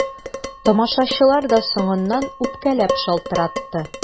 Тамашачылар да соңыннан үпкәләп шалтыратты.